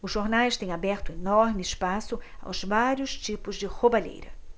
os jornais têm aberto enorme espaço aos vários tipos de roubalheira